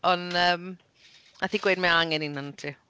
Ond yym wnaeth hi gweud "Mae angen un arno ti".